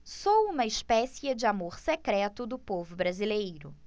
sou uma espécie de amor secreto do povo brasileiro